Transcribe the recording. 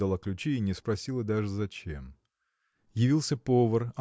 отдала ключи и не спросила даже зачем. Явился повар